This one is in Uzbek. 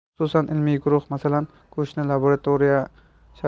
xususan ilmiy guruh masalan go'shtni